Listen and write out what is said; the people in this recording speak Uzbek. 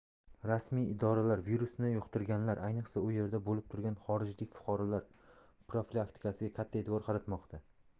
rasmiy idoralar virusni yuqtirganlar ayniqsa u yerda bo'lib turgan xorijlik fuqarolar profilaktikasiga katta e'tibor qaratmoqda